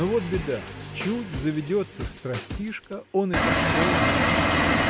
но вот беда: чуть заведется страстишка, он и пошел мотать.